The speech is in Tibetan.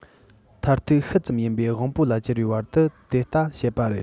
མཐར ཐུག ཤུལ ཙམ ཡིན པའི དབང པོ ལ གྱུར པའི བར དུ དེ ལྟ བྱེད པ རེད